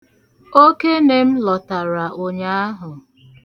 Okene m lọtara ụnyaahụ.